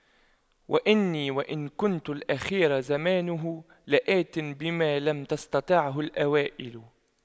وإني وإن كنت الأخير زمانه لآت بما لم تستطعه الأوائل